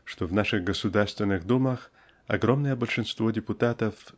что в наших государственных думах огромное большинство депутатов